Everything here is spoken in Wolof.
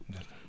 d' accord